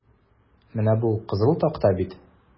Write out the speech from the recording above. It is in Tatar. Менә бу кызыл такта бит?